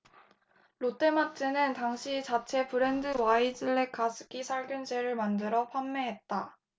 롯데마트는 당시 자체 브랜드 와이즐렉 가습기 살균제를 만들어 판매했다